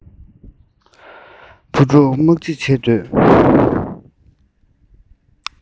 བུ ཕྲུག དམག ཅིག བྱེད འདོད